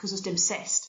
'c'os o's dim cyst.